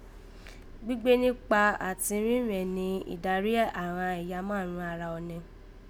Gbígbé níkpa ati rírẹ̀n ní ìdarí àghan ẹ̀yà máàrún ara ọnẹ